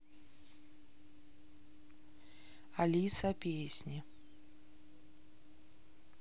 alisa песни